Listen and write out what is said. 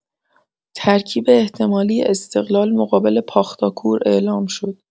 ترکیب احتمالی استقلال مقابل پاختاکور اعلام شد.